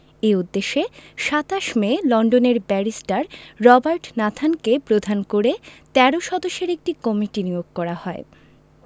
এ উদ্দেশ্যে ২৭ মে লন্ডনের ব্যারিস্টার রবার্ট নাথানকে প্রধান করে ১৩ সদস্যের একটি কমিটি নিয়োগ করা হয়